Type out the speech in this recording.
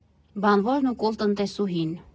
Բանվորն ու կոլտնտեսուհին։